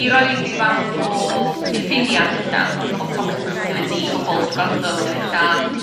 i roid ryw fath o diffiniad ella toxic positivity i bobol sy gwrando sydd ella